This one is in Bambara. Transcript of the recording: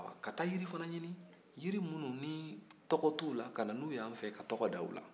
ka taa jiriw fana ɲini jiri minnu ni tɔgɔ t'u la ka na n'u ye an fɛ ka tɔgɔ da u la